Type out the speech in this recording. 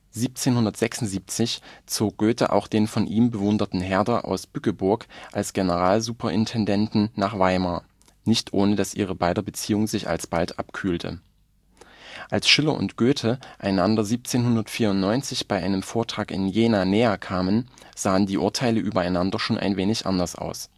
1776 zog Goethe auch den von ihm bewunderten Herder aus Bückeburg als Generalsuperintendenten nach Weimar - nicht ohne dass ihrer beider Beziehung sich alsbald abkühlte. Als Schiller und Goethe einander 1794 bei einem Vortrag in Jena näher kamen, sahen die Urteile übereinander schon ein wenig anders aus